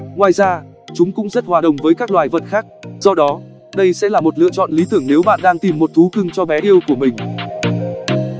ngoài ra chúng cũng rất hòa đồng với các loài vật khác do đó đây sẽ là một lựa chọn lý tưởng nếu bạn đang tìm một thú cưng cho bé yêu của mình